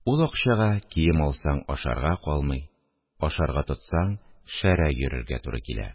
Ул акчага кием алсаң, ашарга калмый, ашарга тотсаң, шәрә йөрергә туры килә